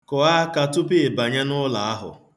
Kụọ aka tupu ị banye n'ụlọ ahụ.